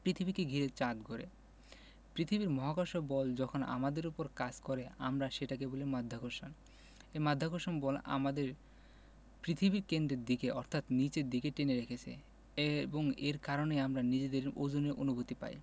পৃথিবীকে ঘিরে চাঁদ ঘোরে পৃথিবীর মহাকর্ষ বল যখন আমাদের ওপর কাজ করে আমরা সেটাকে বলি মাধ্যাকর্ষণ এই মাধ্যাকর্ষণ বল আমাদের পৃথিবীর কেন্দ্রের দিকে অর্থাৎ নিচের দিকে টেনে রেখেছে এবং এর কারণেই আমরা নিজেদের ওজনের অনুভূতি পাই